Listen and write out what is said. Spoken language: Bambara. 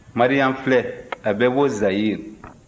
maria filɛ a bɛ bɔ zayiri